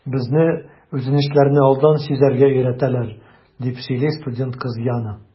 Безне үтенечләрне алдан сизәргә өйрәтәләр, - дип сөйли студент кыз Яна.